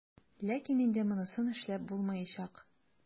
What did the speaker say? Ләкин инде монысын эшләп булмаячак.